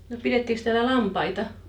no pidettiinkös täällä lampaita